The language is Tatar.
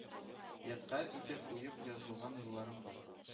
Ядкарь итеп уеп язган юлларың бар